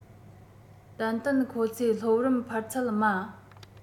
ཏན ཏན ཁོ ཚོས སློབ རིམ འཕར ཚད དམའ